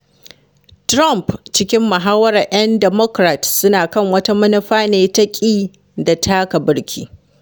Trump cikin mahawara ‘yan Democrat suna kan wata manufa ne ta “ƙi da taka burki.”